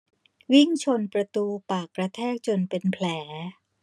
วิ่งชนประตูปากกระแทกจนเป็นแผล